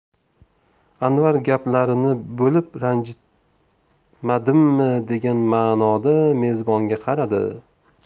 anvar gaplarini bo'lib ranjitmadimmi degan ma'noda mezbonga qaradi